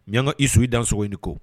Nanga isu i da sogo in de ko